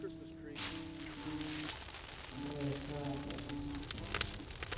the hatters